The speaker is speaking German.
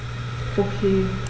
Okay.